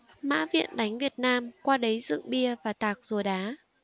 mã viện đánh việt nam qua đấy dựng bia và tạc rùa đá